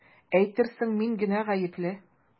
Әйтерсең мин генә гаепле!